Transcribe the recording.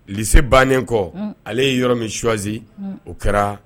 Li bannen kɔ ale ye yɔrɔ min suwaz o kɛra